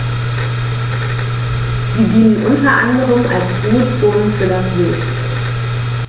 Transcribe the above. Sie dienen unter anderem als Ruhezonen für das Wild.